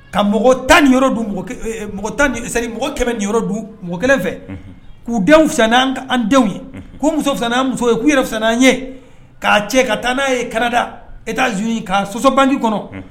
Ka mɔgɔ tan ni yɔrɔ, ɛɛ mɔgɔ c'est a dire mɔgɔkɛmɛ ninyɔrɔ dun mɔgɔ kelen fɛ ,unhun, k'u denw fisaya n'an denw ye, k'u musow fisaya n'an musow ye, k 'u yɛrɛ fisya n'ye, k'a cɛ ka taa n'a ye Canada, Etas -Unis ka sɔsɔ banques kɔnɔn.,unhun.